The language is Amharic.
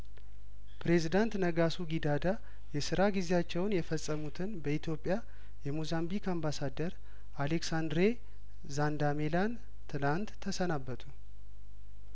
ፕሬዝዳንት ነጋሶ ጊዳዳ የስራ ጊዜያቸውን የፈጸሙትን በኢትዮጵያ የሞዛምቢክ አምባሳደር አሌክሳን ድሬ ዛንዳሜላን ትላንት ተሰናበቱ